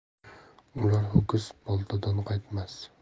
o'lar ho'kiz boltadan qaytmas